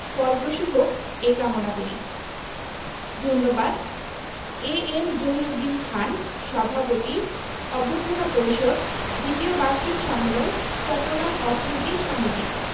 ফলপ্রসূ হোক এ কামনা করি ধন্যবাদ এ এম জহিরুদ্দিন খান সভাপতি অভ্যর্থনা পরিষদ দ্বিতীয় বার্ষিক সম্মেলন চট্টগ্রাম অর্থনীতি সমিতি